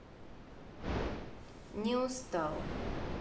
не устал